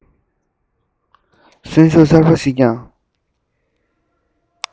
གསོན ཤུགས གསར པ ཞིག ཀྱང